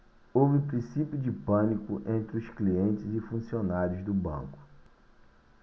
houve princípio de pânico entre os clientes e funcionários do banco